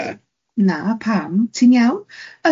Na pam, ti'n iawn? Ydw.